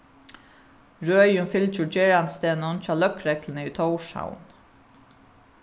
røðin fylgir gerandisdegnum hjá løgregluni í tórshavn